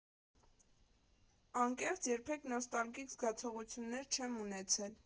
Անկեղծ՝ երբեք նոստալգիկ զգացողություններ չեմ ունեցել։